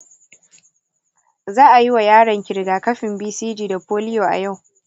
za'a yi wa yaron rigakafin bcg da polio a yau.